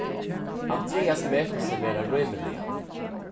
andrias metir seg vera rímiligan